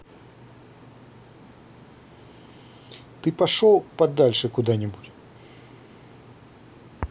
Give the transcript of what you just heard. ты пошел подальше куда нибудь